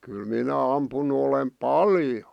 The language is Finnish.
kyllä minä ampunut olen paljon